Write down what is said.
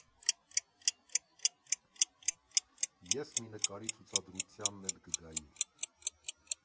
Ես մի նկարի ցուցադրությանն էլ կգայի՜։